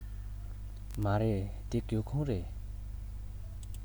མ རེད འདི སྒེའུ ཁུང རེད